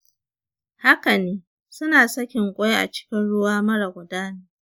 haka ne, suna sakin ƙwai a cikin ruwa mara gudana.